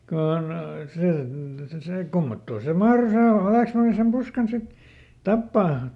kun se se se kummottoon se mahtoi se vallesmanni sen Puskan sitten tappaa